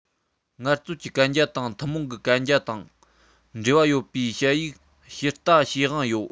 ངལ རྩོལ གྱི གན རྒྱ དང ཐུན མོང གི གན རྒྱ དང འབྲེལ བ ཡོད པའི དཔྱད ཡིག བཤེར ལྟ བྱེད དབང ཡོད